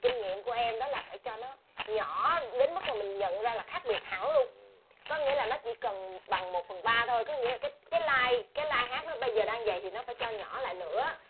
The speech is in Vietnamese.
kinh nghiệm của em đó là phải cho nó nhỏ đến mức mà mình nhận ra là khác biệt hẳn luôn có nghĩa là nó chỉ cần bằng một phần ba thôi có nghĩa là cái lai cái lai hát nó bây giờ đang vầy thì nó phải cho nhỏ lại nữa